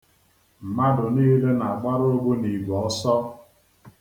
Mmadụ niile na-agbara ogbunigwe ọsọ.